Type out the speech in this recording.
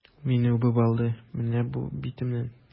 Ул мине үбеп алды, менә бу битемнән!